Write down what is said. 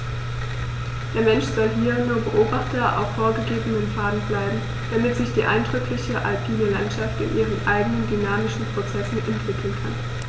Der Mensch soll hier nur Beobachter auf vorgegebenen Pfaden bleiben, damit sich die eindrückliche alpine Landschaft in ihren eigenen dynamischen Prozessen entwickeln kann.